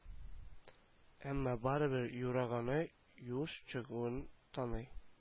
Әмма барыбер юра-ганы юш чыгуын таный